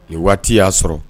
O waati y'a sɔrɔ